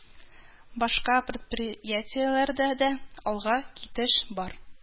Башка предприятиеләрдә дә алга китеш бар